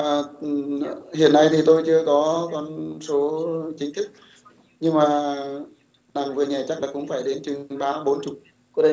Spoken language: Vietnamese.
à ừ hiện nay thì tôi chưa có con số chính thức nhưng mà nặng như vậy chắc là cũng phải đến chừng ba bốn chục